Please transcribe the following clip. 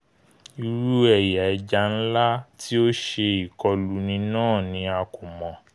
Irú ẹ̀yà ẹja ńlá tí ó ṣe ìkọluni náà ni a kò mọ̀.